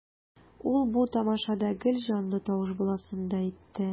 Ул бу тамашада гел җанлы тавыш буласын да әйтте.